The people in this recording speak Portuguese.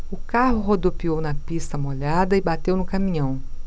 o carro rodopiou na pista molhada e bateu no caminhão